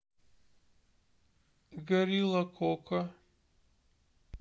горилла коко